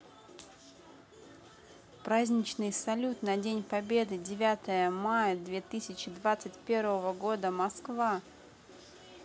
праздничный салют на день победы девятое мая две тысячи двадцать первого года москва